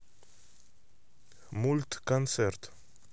мульт концерт